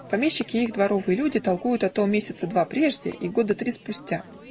Помещики и их дворовые люди толкуют о том месяца два прежде и года три спустя.